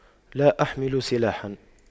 لا أحمل سلاحا